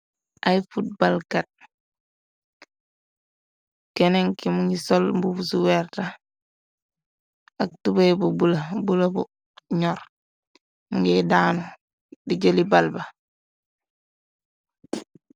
Ay fut balkat kenenki mu ngi sol mbusu weerta ak tuby bu bula bula bu ñor mingiy daanu di jëli balba.